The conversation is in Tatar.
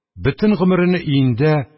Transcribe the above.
Бөтен гомерене өендә,